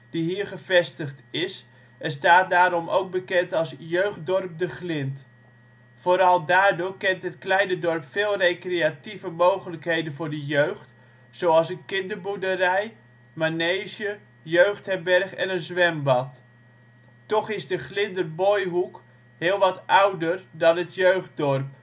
die hier gevestigd is, en staat daarom ook bekend als Jeugddorp De Glind. Vooral daardoor kent het kleine dorp veel recreatieve mogelijkheden voor de jeugd, zoals een kinderboerderij, manege, jeugdherberg en een zwembad. Toch is De Glinder Booyhoek heel wat ouder dan het jeugddorp